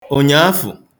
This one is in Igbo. ụnyaafụ